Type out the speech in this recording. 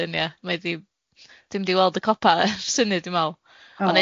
mai di, dwi'm di weld y copa ers hynny dw me'l.